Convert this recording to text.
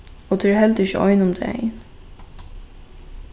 og tað er heldur ikki ein um dagin